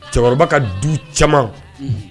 Cɛkɔrɔba ka du caman, unhun.